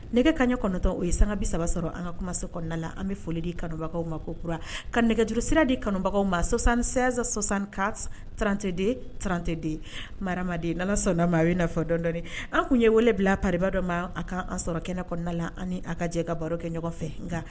Nɛgɛ ka ɲɛ kɔnɔntɔn o ye san bi saba sɔrɔ an ka kumaso kɔnɔna la an bɛ foli di kanubagaw ma kokura ka nɛgɛjuru sira di kanubaga ma sɔsan sz sɔsan ka trante de trante de maraden ala sɔnna ma a o ye nafa dɔndɔ an tun ye wele bila pa dɔ ma ka an sɔrɔ kɛnɛ kɔnɔna la ani a ka jɛ ka baro kɛ ɲɔgɔn fɛ nka